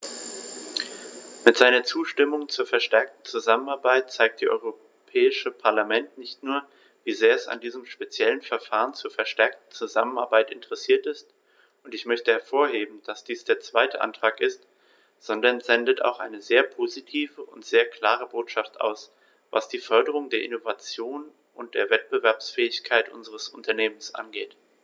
Mit seiner Zustimmung zur verstärkten Zusammenarbeit zeigt das Europäische Parlament nicht nur, wie sehr es an diesem speziellen Verfahren zur verstärkten Zusammenarbeit interessiert ist - und ich möchte hervorheben, dass dies der zweite Antrag ist -, sondern sendet auch eine sehr positive und sehr klare Botschaft aus, was die Förderung der Innovation und der Wettbewerbsfähigkeit unserer Unternehmen angeht.